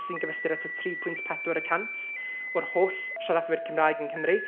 sy'n gyfystyr â tua tri pwynt pedwar y cant o'r holl siaradwyr Cymraeg yng Nghymru.